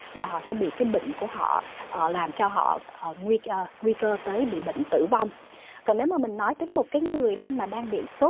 và họ sẽ bị cái bệnh của họ ở làm cho họ ở nguy cơ nguy cơ tử bị bệnh tử vong còn nếu mà mình nói tới một cái người đó mà đang bị sốt